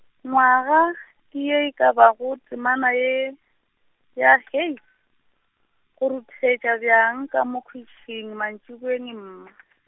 nywaga, ke ye e ka bago temana ye, ya Hei, go ruthetše bjang, ka mo khwitšhing mantšiboeng, e mma.